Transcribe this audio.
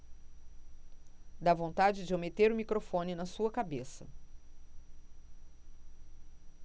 dá vontade de eu meter o microfone na sua cabeça